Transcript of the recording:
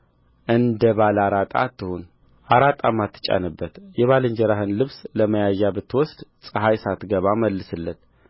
እንደ ባለ አራጣ አትሁን አራጣም አትጫንበት የባልንጀራህን ልብስ ለመያዣ ብትወስድ ፀሐይ ሳትገባ መልስለት